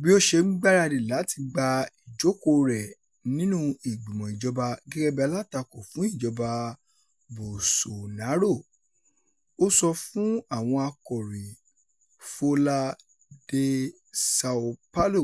Bí ó ṣe ń gbaradì láti gba ìjókòó rẹ̀ nínú ìgbìmọ̀ ìjọba gẹ́gẹ́ bí alátakò fún ìjọba Bolsonaro, ó sọ fún àwọn akọ̀ròyìn Folha de São Paulo,